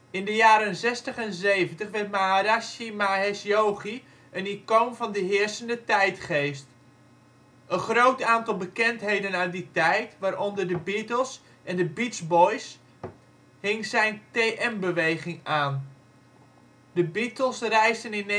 In de jaren zestig en zeventig werd Maharishi Mahesh Yogi een icoon van de heersende tijdgeest. Een groot aantal bekendheden uit die tijd, waaronder The Beatles en de The Beach Boys, hing zijn TM-beweging aan. De Beatles reisden in 1968